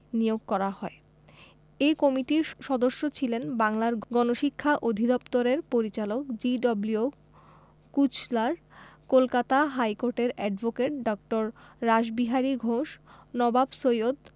নিয়োগ করা হয় এ কমিটির সদস্য ছিলেন বাংলার গণশিক্ষা অধিদপ্তরের পরিচালক জি.ডব্লিউ কুচলার কলকাতা হাইকোর্টের অ্যাডভোকেট ড. রাসবিহারী ঘোষ নবাব সৈয়দ